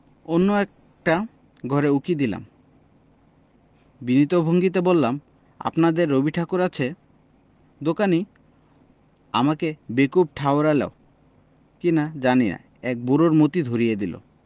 অন্য একার্ট ঘরে উকি দিলাম বিনীত ভঙ্গিতে বললাম আপনাদের রবিঠাকুর আছে দোকানী অমিকে বেকুব ঠাওড়ালী কিনা জানি এক বুড়োর মতী ধরিয়ে দিল